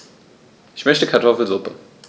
Ich möchte Kartoffelsuppe.